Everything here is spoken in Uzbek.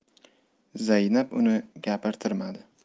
zaynab uni gapirtirmadi